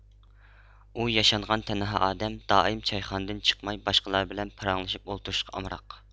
ئۇ ياشانغان تەنھا ئادەم دائىم چايخانىدىن چىقماي باشقىلار بىلەن پاراڭلىشىپ ئولتۇرۇشقا ئامراق